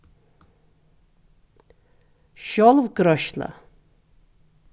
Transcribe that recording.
sjálvgreiðsla